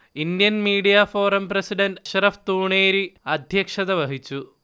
Indian media forum president Ashraf Thooneri അധ്യക്ഷത വഹിച്ചു